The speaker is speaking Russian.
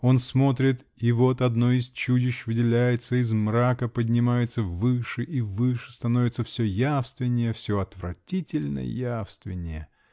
Он смотрит -- и вот одно из чудищ выделяется из мрака, поднимается выше и выше, становится все явственнее, все отвратительно явственнее.